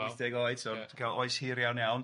Wythdeg oed, so ti'n gwybod oes hir iawn iawn.